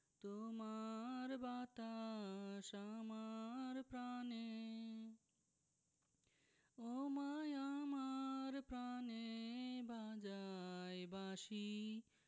তোমার বাতাস আমার প্রাণে ওমা আমার প্রানে বাজায় বাঁশি